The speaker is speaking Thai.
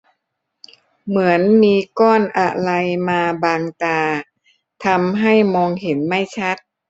เหมือนมีก้อนอะไรมาบังตาทำให้มองเห็นไม่ชัด